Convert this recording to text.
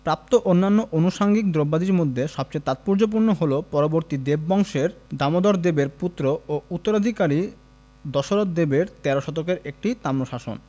প্রাপ্ত অন্যান্য আনুষঙ্গিক দ্রব্যাদির মধ্যে সবচেয়ে তাৎপর্যপূর্ণ হলো পরবর্তী দেব বংশের দামোদরদেবের পুত্র ও উত্তরাধিকারী দশরথ দেবের তেরো শতকের একটি তাম্রশাসন